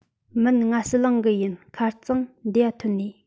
མིན ང ཟི ལིང གི ཡིན ཁ རྩང འདེའ ཐོན ནིས